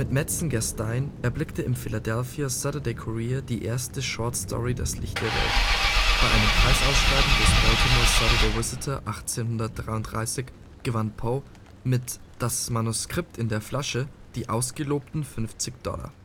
Metzengerstein erblickte im Philadelphia Saturday Courier die erste Shortstory das Licht der Welt. Bei einem Preisausschreiben des Baltimore Saturday Visitor 1833 gewann Poe mit Das Manuskript in der Flasche die ausgelobten 50 Dollar